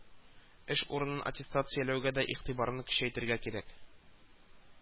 Эш урын аттестацияләүгә дә игътибарны көчәйтергә кирәк